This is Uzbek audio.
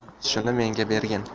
shuni menga bergin